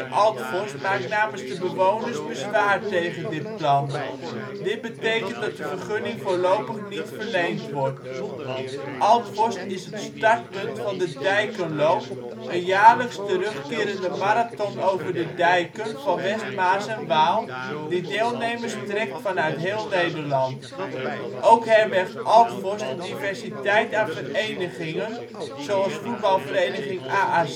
Altforst maakt namens de bewoners bezwaar tegen dit plan. Dit betekent dat de vergunning voorlopig niet verleend wordt. Altforst is het startpunt van de Dijkenloop, een jaarlijks terugkerende marathon over de dijken van West Maas en Waal, die deelnemers trekt vanuit heel Nederland. Ook herbergt Altforst een diversiteit aan verenigingen zoals voetbalvereniging AAC